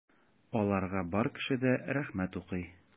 Аларга бар кеше дә рәхмәт укый.